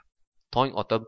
tong otib